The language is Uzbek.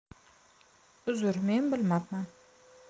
uzr men bilmabman